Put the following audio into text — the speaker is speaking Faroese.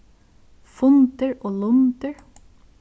fundir og lundir